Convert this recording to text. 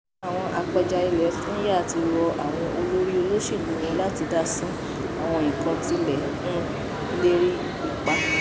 Àwọn apẹja ilẹ̀ Kenya ti rọ àwọn olórí olóṣèlú wọn láti dá síi, àwọn kan tilẹ̀ ń lérí ipá.